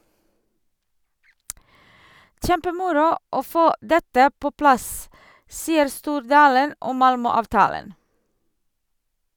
- Kjempemoro å få dette på plass, sier Stordalen om Malmö-avtalen.